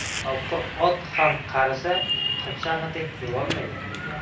eng chopqir ot ham qarisa qirchang'idek bo'lolmaydi